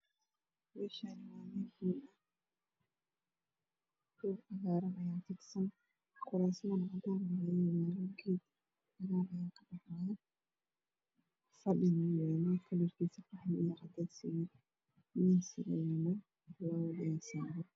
Meeshaani waa meel hool roog cagaaran ayaa fidsan kuraasman way yaalana fadhina wuu yaalo qaxwi iyo cadays yahay